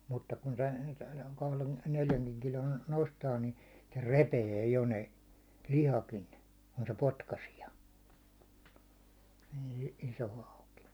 mutta kun tämän kahden- neljänkin kilon nostaa niin se repeää jo ne lihakin kun se potkaisee - iso hauki